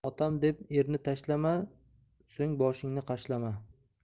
otam deb erni tashlama so'ng boshingni qashlama